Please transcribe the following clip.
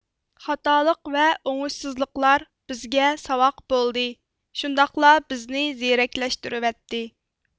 خاتالىق ۋەئوڭۇشسىزلىقلار بىزگە ساۋاق بولدى شۇنداقلا بىزنى زېرەكلەشتۈرۈۋەتتى